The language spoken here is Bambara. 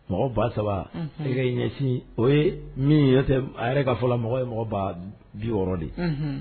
Mɔgɔ ba 3000. e ka i ɲɛsin, o ye min ye n'o tɛ a yɛrɛ ka fɔ mɔgɔ ye mɔgɔ 60000 de ye. Unhun.